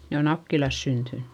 ne on Nakkilassa syntynyt